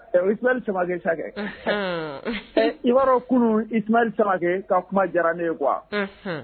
I tiri saba sa i'a kunun itumari saba ka kuma diyara ne ye ga